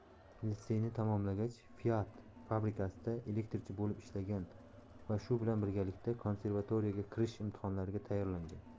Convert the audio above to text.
litseyni tamomlagach fiat fabrikasida elektrchi bo'lib ishlagan va shu bilan birgalikda konservatoriyaga kirish imtixonlariga tayyorlangan